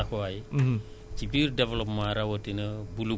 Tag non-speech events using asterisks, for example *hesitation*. *hesitation* tay nga invité ma nga dalal ma